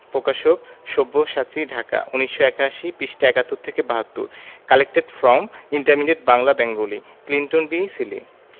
প্রকাশকঃ সব্যসাচী ঢাকা ১৯৮১ পৃষ্ঠাঃ ৭১ থেকে ৭২ collected from intermediate Bangla Bengali Clinton B Seely